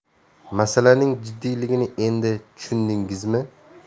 masalaning jiddiyligini endi tushundingizmi